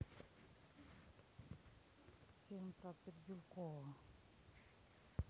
фильм про пердулькова